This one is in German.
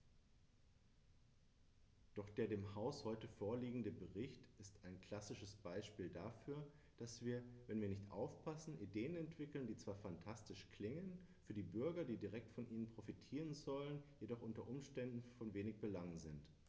Doch der dem Haus heute vorliegende Bericht ist ein klassisches Beispiel dafür, dass wir, wenn wir nicht aufpassen, Ideen entwickeln, die zwar phantastisch klingen, für die Bürger, die direkt von ihnen profitieren sollen, jedoch u. U. von wenig Belang sind.